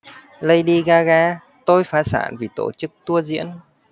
lady gaga tôi phá sản vì tổ chức tour diễn